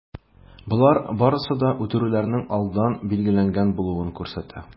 Болар барысы да үтерүләрнең алдан билгеләнгән булуын күрсәтә.